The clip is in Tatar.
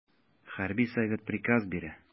Хәрби совет приказ бирә.